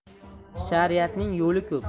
shariatning yo'li ko'p